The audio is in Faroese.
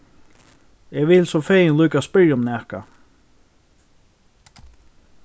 eg vil so fegin líka spyrja um nakað